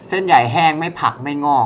เส้นใหญ่่แห้งไม่ผักไม่งอก